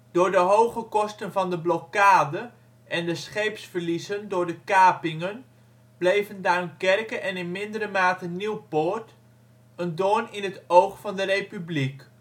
Door de hoge kosten van de blokkade en de scheepsverliezen door de kapingen bleven Duinkerke en in mindere mate Nieuwpoort, een doorn in het oog van de Republiek